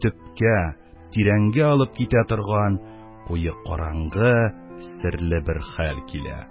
Төпкә, тирәнгә алып китә торган куе караңгы, серле бер хәл килә.